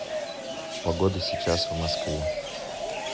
погода сейчас в москве